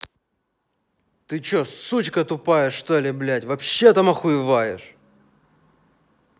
ты че сучка тупая что ли что блядь вообще там охуеваешь